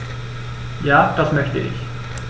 Ja, das möchte ich.